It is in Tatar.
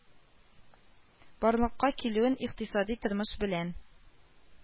Барлыкка килүен, икътисади тормыш белән